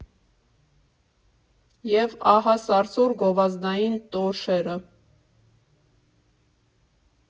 ԵՒ ահասարսուռ գովազդային տորշերը։